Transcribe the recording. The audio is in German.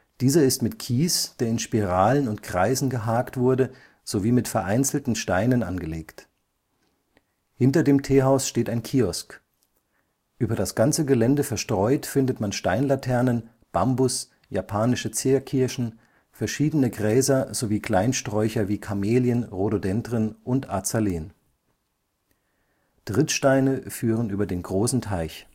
Dieser ist mit Kies, der in Spiralen und Kreisen geharkt wurde, sowie mit vereinzelten Steinen angelegt. Hinter dem Teehaus steht ein Kiosk. Über das ganze Gelände verstreut findet man Steinlaternen, Bambus, Japanische Zierkirschen, verschiedene Gräser sowie Kleinsträucher wie Kamelien, Rhododendron und Azaleen. Trittsteine führen über den großen Teich